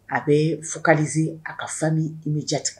A bɛ fo kaliz a ka fa ni i bɛ jate